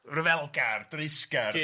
Ryfelgar dreisgar de.